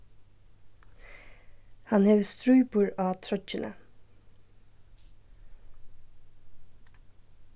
hann hevur strípur á troyggjuni